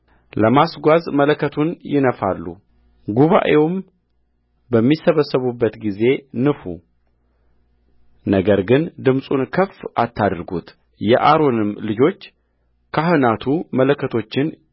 ለማስጓዝ መለከትን ይነፋሉጉባኤውም በሚሰበሰብበት ጊዜ ንፉ ነገር ግን ድምፁን ከፍ አታድርጉትየአሮንም ልጆች ካህናቱ መለከቶቹን